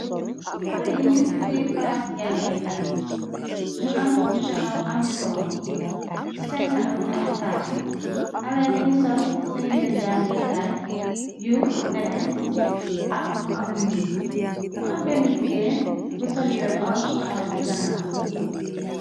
Haleh yi njin ci biir plassi jangeh kaay, mu am nju taxaw, am nju tok, ci sehn kanam mungi am taarko, haleh yii njungi sol sehn yehreh jangeh kaay yu nehteh ak mu am lu njull, mu am benue jigain bu sol yehreh orloff, taxaw ci ganaw.